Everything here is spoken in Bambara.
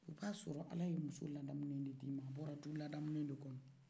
o k'a sɔrɔ ala ye muso ladamulen le d'i ma a bɔra du ladamulen le kɔnɔ